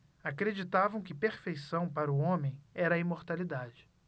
acreditavam que perfeição para o homem era a imortalidade